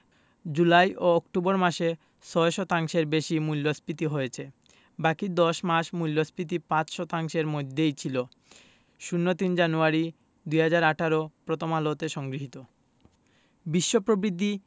জুলাই ও অক্টোবর মাসে ৬ শতাংশের বেশি মূল্যস্ফীতি হয়েছে বাকি ১০ মাস মূল্যস্ফীতি ৫ শতাংশের মধ্যেই ছিল ০৩ জানুয়ারি ২০১৮ প্রথম আলো হতে সংগৃহীত বিশ্ব প্রবৃদ্ধি